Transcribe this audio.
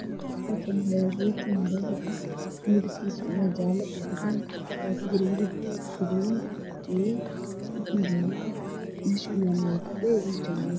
Meeshaan waxaa ka muuqdo rooti jaalo iyo cadaan ah oo dhexda qudaar ku jirta background kana leer guduud ah ka shidan yahay